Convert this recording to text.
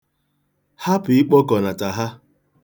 Hapụ ikpokọnata ha.